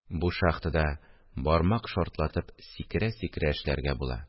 Бу шахтада бармак шартлатып сикерә-сикерә эшләргә була